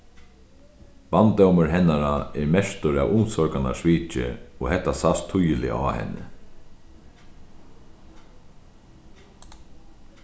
barndómur hennara er merktur av umsorganarsviki og hetta sæst týðiliga á henni